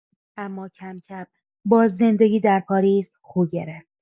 اما کم‌کم با زندگی در پاریس خو گرفت.